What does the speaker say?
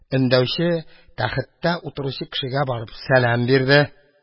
Өндәүче тәхеттә утыручы кешегә барып сәлам бирде.